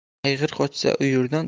ayg'ir qochsa uyurdan